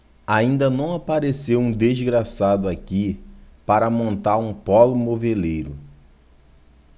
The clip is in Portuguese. ainda não apareceu um desgraçado aqui para montar um pólo moveleiro